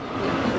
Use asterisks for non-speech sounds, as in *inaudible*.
*hesitation* *hesitation* *noise*